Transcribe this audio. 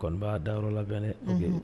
Kɔnibaaa dayɔrɔ labɛnnen